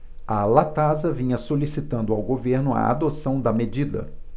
a latasa vinha solicitando ao governo a adoção da medida